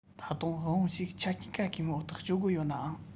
ད དུང དབང པོ ཞིག ཆ རྐྱེན གེ མོའི འོག ཏུ སྤྱོད སྒོ ཡོད ནའང